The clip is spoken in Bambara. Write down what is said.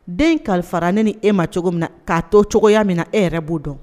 Den kalifara ni e ma cogo min na k'a to cogoya min na e yɛrɛ b'o dɔn